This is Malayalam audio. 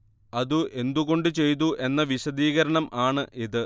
അതു എന്തു കൊണ്ട് ചെയ്തു എന്ന വിശദീകരണം ആണ് ഇത്